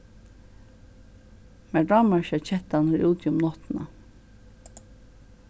mær dámar ikki at kettan er úti um náttina